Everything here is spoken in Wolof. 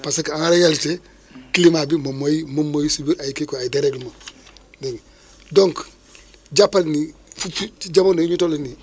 parce que en réalité climat bi moom mooy moom mooy subir ay kii quoi ay dérèglement dégg nga donc jàppal ni fu ci si jamono yi ñu toll nii